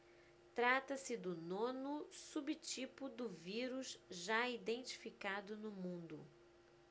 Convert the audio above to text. trata-se do nono subtipo do vírus já identificado no mundo